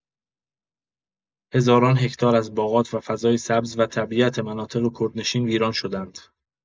هزاران هکتار از باغات و فضای سبز و طبیعت مناطق کوردنشین ویران شدند.